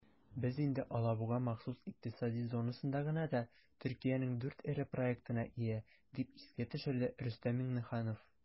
"без инде алабуга махсус икътисади зонасында гына да төркиянең 4 эре проектына ия", - дип искә төшерде рөстәм миңнеханов.